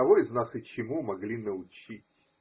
кого из нас и чему могли научить?